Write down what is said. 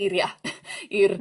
eiria i'r...